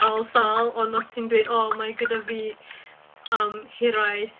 fel sâl, ond os ti'n dweud... Hmm. ...o mae gyda fi yym hiraeth